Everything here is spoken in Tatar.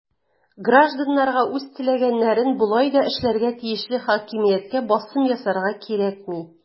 Гражданнарга үз теләгәннәрен болай да эшләргә тиешле хакимияткә басым ясарга кирәкми.